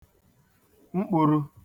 mkpūru